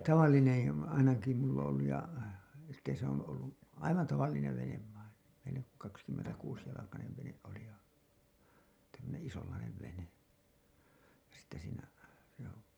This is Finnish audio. ei tavallinen ainakin minulla on ollut ja sitten se on ollut aivan tavallinen vene vain vene kaksikymmentäkuusijalkainen vene oli ja että semmoinen isonlainen vene ja sitten siinä joo